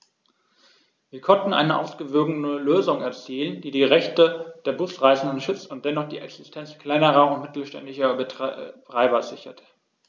Wir konnten eine ausgewogene Lösung erzielen, die die Rechte der Busreisenden schützt und dennoch die Existenz kleiner und mittelständischer Betreiber sichert.